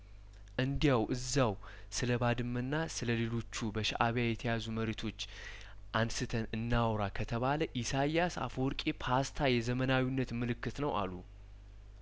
እንዲያው እዛው ስለባድመና ስለሌሎቹ በሻእቢያ የተያዙ መሬቶች አንስተን እናውራ ከተባለ ኢሳያስ አፈወርቂ ፓስታ የዘመናዊነት ምልክት ነው አሉ